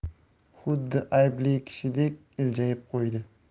xuddi aybli kishidek iljayib qo'ydi